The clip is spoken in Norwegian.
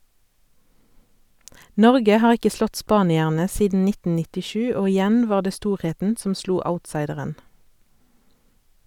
Norge har ikke slått spanierne siden 1997, og igjen var det storheten som slo outsideren.